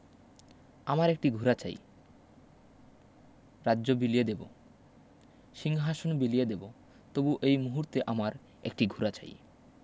আমার একটি ঘুড়া চাই রাজ্য বিলিয়ে দেবো সিংহাশন বিলিয়ে দেবো তবু এই মুহূর্তে আমার একটি ঘুড়া চাই